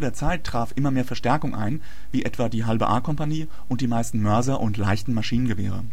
Zeit traf immer mehr Verstärkung ein, wie etwa die halbe A-Kompanie und die meisten Mörser und leichten Maschinengewehre